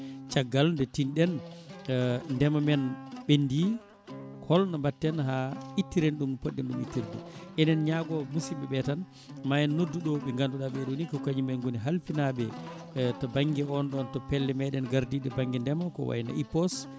caggal nde tinɗen ndeema men ɓendi holno batten ha ittiren ɗum no poɗɗen ɗum ittirde ene ñaago musibɓeɓe tan ma en noddu ɗo ɓe ganduɗa ɓeeɗo ni ko kañumen gooni halfinaɓe e to banggue on ɗon to pelle meɗen gardiɗe banggue ndeema ko wayno IPOS